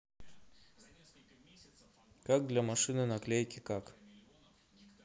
самое чтожение